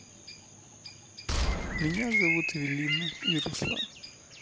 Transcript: меня зовут эвелина и руслан